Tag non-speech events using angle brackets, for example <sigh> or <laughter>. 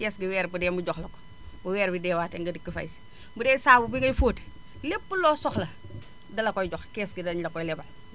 kees gi weer bu dee mu jox la ko bu wxeer bi deewaatee nga dikk fay si bu dee saabu bi ngay fóotee lépp loo soxla <noise> da la koy jox kees gi dañu la koy lebal